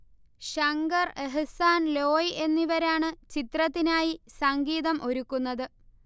ശങ്കർ, എഹ്സാൻ, ലോയ് എന്നിവരാണ് ചിത്രത്തിനായി സംഗീതം ഒരുക്കുന്നത്